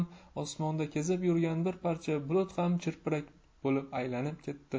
osmonda kezib yurgan bir parcha bulut ham chirpirak bo'lib aylanib ketdi